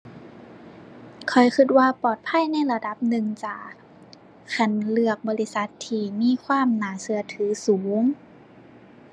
ข้อยคิดว่าปลอดภัยในระดับหนึ่งจ้า คันเลือกบริษัทที่มีความน่าคิดถือสูง